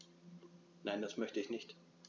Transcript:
Nein, das möchte ich nicht.